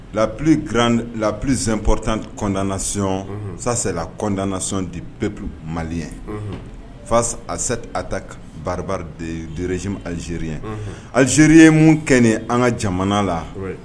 La plus grande la plus importante condamnation , unhun, ça c'est la condamnation du peuple malien unhun, face a cette attaque barbare de regime Algerien, unhun, Alijeri ye mun kɛ nin ye an ka jamana la